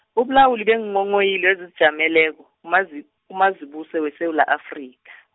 ubulawuli beenghonghoyilo ezizijameleko, UMazi- uMazibuse weSewula Afrika.